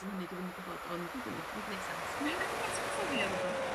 sy'n hynny dwi ddim yn gwbod ond I don'y know ma'n gneud sense. Mae wedi atgoffa fi o rwbath